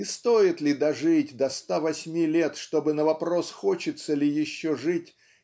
И стоит ли дожить до ста восьми лет чтобы на вопрос хочется ли еще жить